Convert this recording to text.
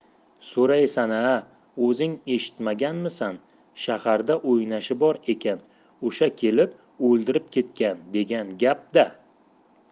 so'raysan a o'zing eshitmaganmisan shaharda o'ynashi bor ekan o'sha kelib o'ldirib ketgan degan gap da